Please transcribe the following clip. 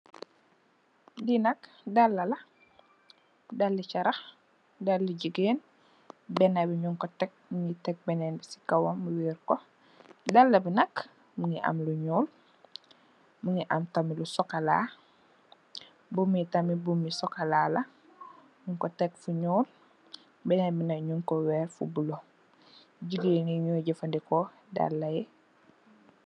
Lee nak dalla la dalle charah dalle jegain bena be nugku tek nuge tek benen be se kawam nu werku dalla be nak muge am lu nuul muge am tamin lu sukola bome ye tamin bome yu sukola la nugku tek fu nuul benen be nak nugku werr fu bulo jegain ye nuy jafaneku dalla ye.